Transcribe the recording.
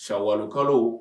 Sawalu kalo.